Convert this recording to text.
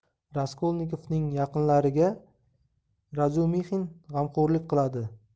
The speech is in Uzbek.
raskolnikovning yaqinlariga razumixin g'amxo'rlik qiladi